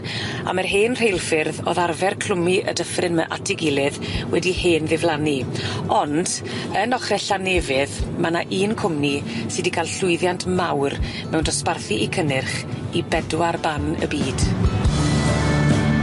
a ma'r hen rheilffyrdd o'dd arfer clwmu y dyffryn 'my at eu gilydd wedi hen ddiflannu ond yn ochre Llanefydd, ma' 'na un cwmni sy 'di ca'l llwyddiant mawr mewn dosbarthu 'i cynnyrch i bedwar ban y byd.